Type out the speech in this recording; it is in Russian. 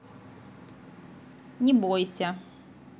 не бойся